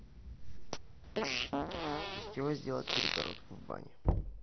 из чего сделать перегородку в бане